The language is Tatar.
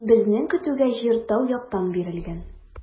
Безнең көтүгә җир тау яктан бирелгән.